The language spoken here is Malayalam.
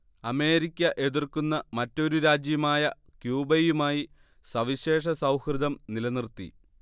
അമേരിക്ക എതിർക്കുന്ന മറ്റൊരു രാജ്യമായ ക്യൂബയുമായി സവിശേഷ സൗഹൃദം നിലനിർത്തി